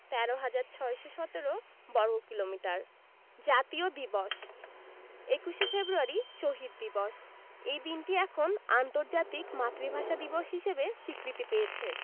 ১৩হাজার ৬১৭ বর্গ কিলোমিটার জাতীয় দিবসঃ ২১শে ফেব্রুয়ারি শহীদ দিবস এই দিনটি এখন আন্তর্জাতিক মাতৃভাষা দিবস হিসেবে স্বীকৃতি পেয়েছে